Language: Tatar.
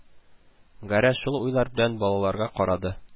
Гәрәй шул уйлар белән балаларга карады